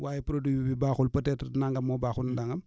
waaye produit bi baaxul peut être nangam moo baaxul nangam